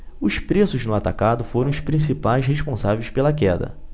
os preços no atacado foram os principais responsáveis pela queda